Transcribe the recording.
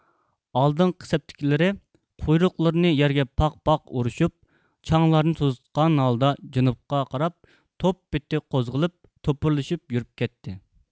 ئالدىنقى سەپتىكىلىرى قۇيرۇقلىرىنى يەرگە پاق پاق ئۇرۇشۇپ چاڭلارنى توزۇتقان ھالدا جەنۇبقا قاراپ توپ پېتى قوزغىلىپ توپۇرلىشىپ يۈرۈپ كەتتى